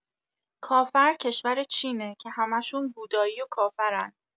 کافر کشور چینه، که همشون بودایی و کافرن